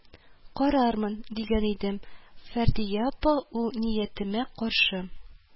Карармын, – дигән идем, фәрдия апа ул ниятемә каршы